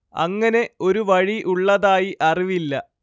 അങ്ങനെ ഒരു വഴി ഉള്ളതായി അറിവില്ല